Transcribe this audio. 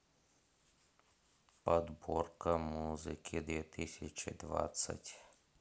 подборка музыки две тысячи двадцать